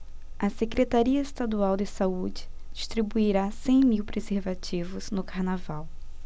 a secretaria estadual de saúde distribuirá cem mil preservativos no carnaval